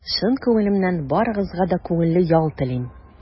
Чын күңелемнән барыгызга да күңелле ял телим!